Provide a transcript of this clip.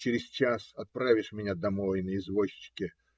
Через час отправишь меня домой на извозчике.